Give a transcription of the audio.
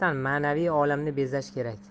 ma'naviy olamni bezash kerak